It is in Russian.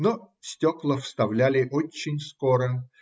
Но стекла вставляли очень скоро.